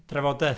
Trafodaeth.